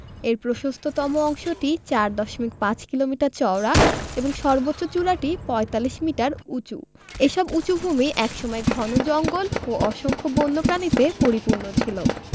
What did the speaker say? এর প্রশস্ততম অংশটি ৪ দশমিক ৫ কিলোমিটার চওড়া এবং সর্বোচ্চ চূড়াটি ৪৫ মিটার উঁচু এসব উঁচু ভূমি এক সময় ঘন জঙ্গল ও অসংখ্য বন্যপ্রাণীতে পরিপূর্ণ ছিল